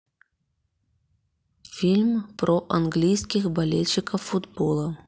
фильм про английских болельщиков футбола